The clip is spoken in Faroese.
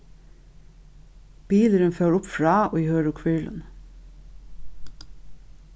bilurin fór uppfrá í hørðu hvirluni